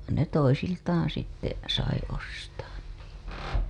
vaan ne toisiltaan sitten sai ostaa niitä